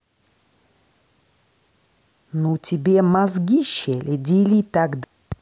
ну тебе мозги щели дели тогда